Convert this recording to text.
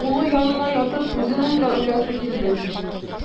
Улы янына ятып үзенең дә үләсе килде.